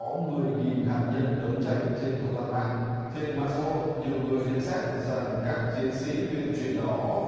có mười nghìn hạt nhân đấu tranh trên không gian mạng trên mạng xã hội nhiều người nhận xét rằng các chiến sĩ tuyền chuyền đó